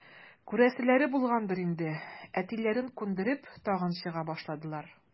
Күрәселәре булгандыр инде, әтиләрен күндереп, тагын чыга башладылар.